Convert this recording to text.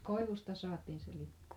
koivusta saatiin se lipeä